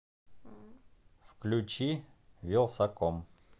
включи велсаком